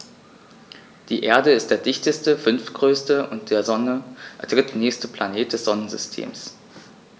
Die Erde ist der dichteste, fünftgrößte und der Sonne drittnächste Planet des Sonnensystems.